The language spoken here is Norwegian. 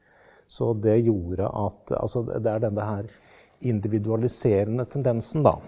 så det gjorde at altså det er denne her individualiserende tendensen da.